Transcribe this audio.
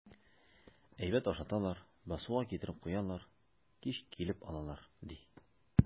Әйбәт ашаталар, басуга китереп куялар, кич килеп алалар, ди.